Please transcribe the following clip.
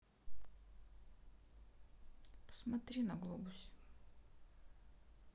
посмотри на глобусе